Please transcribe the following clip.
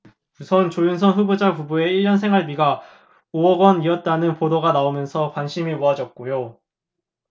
우선 조윤선 후보자 부부의 일 년 생활비가 오 억 원이었다는 보도가 나오면서 관심이 모아졌고요